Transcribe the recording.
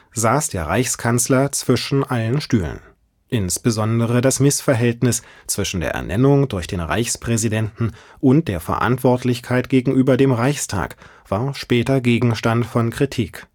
saß der Reichskanzler zwischen allen Stühlen. Insbesondere das Missverhältnis zwischen der Ernennung durch den Reichspräsidenten und der Verantwortlichkeit gegenüber dem Reichstag war später Gegenstand von Kritik